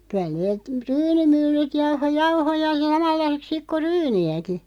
kyllä ne ryynimyllyt jauhoi jauhoja samanlaiseksi sitten kuin ryynejäkin